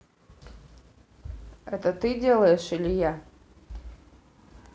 это ты делаешь или я